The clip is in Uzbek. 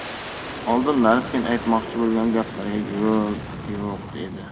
oldinlari sen aytmoqchi bo'lgan gaplarga yo'l yo'q edi